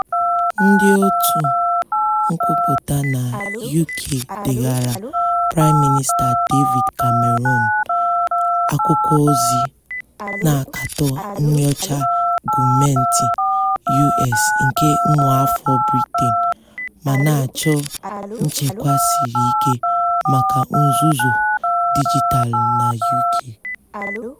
Ndịòtù nkwupụta na UK degaara Prime Minister David Cameron akwụkwọozi, na-akatọ nnyocha gọọmentị US nke ụmụafọ Britain ma na-achọ nchekwa siri ike maka nzuzo dijitaalụ na UK.